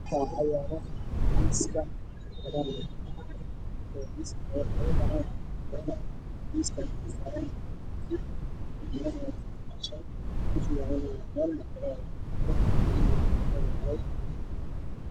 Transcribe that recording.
Meeshan waa meel fadhi ah